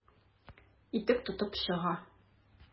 Итек тотып чыга.